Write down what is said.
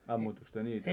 ammuittekos te niitä